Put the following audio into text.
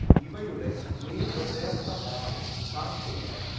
ഇവയുടെ നീണ്ടു നേർത്ത വാൽ കറുപ്പു നിറമാണ്